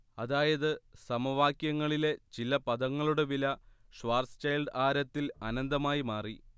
അതായത് സമവാക്യങ്ങളിലെ ചില പദങ്ങളുടെ വില ഷ്വാർസ്ചൈൽഡ് ആരത്തിൽ അനന്തമായി മാറി